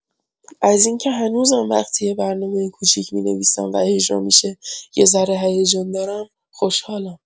از این که هنوزم وقتی یه برنامۀ کوچیک می‌نویسم و اجرا می‌شه، یه ذره هیجان دارم، خوشحالم.